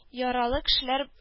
Яралы кешеләр